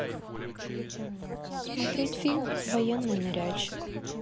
смотреть фильм военный ныряльщик